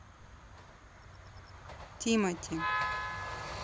тимоти